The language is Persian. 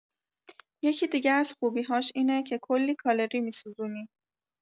یکی دیگه از خوبی‌هاش اینه که کلی کالری می‌سوزونی!